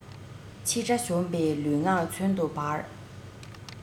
ཕྱི དགྲ གཞོམ པའི ལུས ངག མཚོན དུ འབར